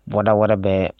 Bɔda wɛrɛ bɛ